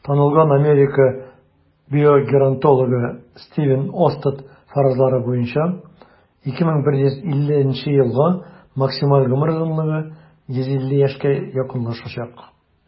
Танылган Америка биогеронтологы Стивен Остад фаразлары буенча, 2150 елга максималь гомер озынлыгы 150 яшькә якынлашачак.